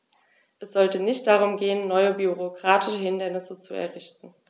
Es sollte nicht darum gehen, neue bürokratische Hindernisse zu errichten.